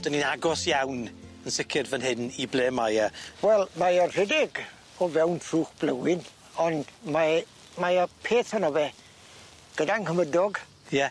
...'dyn ni'n agos iawn yn sicir fyn hyn i ble mae e . Wel mae e rhedeg o fewn trwch blywyn ond mae mae y peth 'honno fe gyda'n nghymydog. Ie.